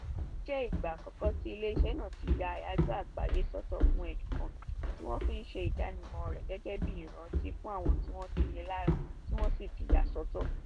Ó jẹ́ ìgbà àkọ́kọ́ tí ilé iṣẹ́ náà ti ya àyájọ́ àgbáyé sọ́tọ̀ fún ẹnìkan, tí wọ́n fi ń ṣe ìdánimọ̀ rẹ̀ gẹ́gẹ́ bí àmì ìrètí fún àwọn tí wọ́n ń ni lára tí wọ́n sì ti yà sọ́tọ̀.